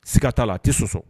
Siga ka taaa la a tɛ sososɔ